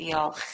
Diolch.